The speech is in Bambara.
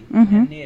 Unhun